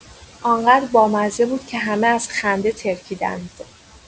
آن‌قدر بامزه بود که همه از خنده ترکیدند.